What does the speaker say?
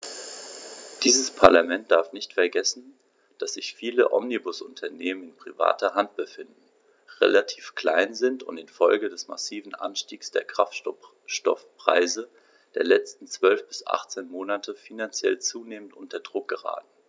Dieses Parlament darf nicht vergessen, dass sich viele Omnibusunternehmen in privater Hand befinden, relativ klein sind und in Folge des massiven Anstiegs der Kraftstoffpreise der letzten 12 bis 18 Monate finanziell zunehmend unter Druck geraten.